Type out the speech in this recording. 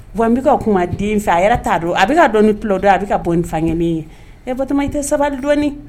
Wa an bɛ ka kuma den fɛ a yɛrɛ t'a dɔn a bɛ ka dɔnɔni tɔ dɔ a bɛ ka bɔ fannen ye e ba i tɛ sabali dɔɔnini